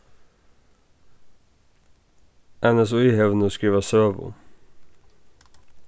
nsí hevur nú skrivað søgu